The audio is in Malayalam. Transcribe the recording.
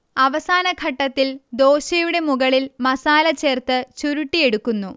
അവസാന ഘട്ടത്തിൽ ദോശയുടെ മുകളിൽ മസാല ചേർത്ത് ചുരുട്ടിയെടുക്കുന്നു